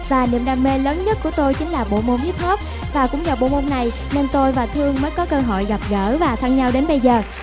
và niềm đam mê lớn nhất của tôi chính là bộ môn híp hốp và cũng nhờ bộ môn này nên tôi và thương mới có cơ hội gặp gỡ và thân nhau đến bây giờ